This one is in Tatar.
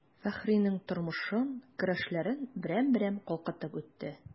Фәхринең тормышын, көрәшләрен берәм-берәм калкытып үтте.